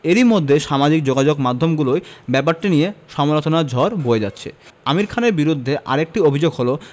এরই মধ্যে সামাজিক যোগাযোগমাধ্যমগুলোয় ব্যাপারটি নিয়ে সমালোচনার ঝড় বয়ে যাচ্ছে আমির খানের বিরুদ্ধে আরেকটি অভিযোগ হলো